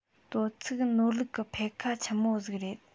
དོ ཚིགས ནོར ལུག གི འཕེས ཁ ཆི མོ ཟིག རེད